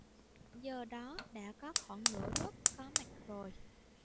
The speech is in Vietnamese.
giờ đó đã có khoảng nửa lớp có mặt rồi